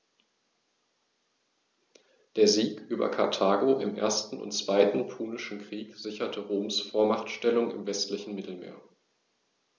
Der Sieg über Karthago im 1. und 2. Punischen Krieg sicherte Roms Vormachtstellung im westlichen Mittelmeer.